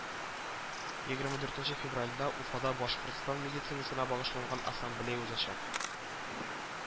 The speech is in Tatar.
Егерме дүртенче февральдә уфада башкортстан медицинасына багышланган ассамблея узачак